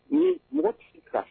Ni mɔgɔtigi kan